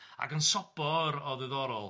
Ac yn sobor o ddiddorol.